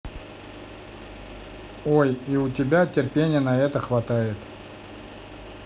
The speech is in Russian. ой и у тебя терпение на это хватает